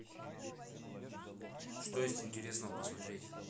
что есть интересного посмотреть